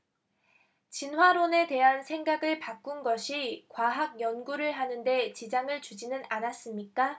진화론에 대한 생각을 바꾼 것이 과학 연구를 하는 데 지장을 주지는 않았습니까